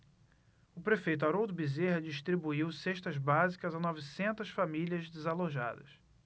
o prefeito haroldo bezerra distribuiu cestas básicas a novecentas famílias desalojadas